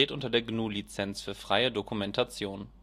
unter der GNU Lizenz für freie Dokumentation